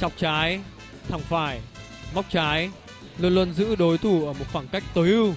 chọc trái thọc phải móc trái luôn luôn giữ đối thủ ở một khoảng cách tối ưu